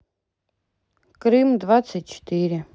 крым двадцать четыре